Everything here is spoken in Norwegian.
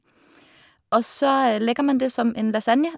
Og så legger man det som en lasagne.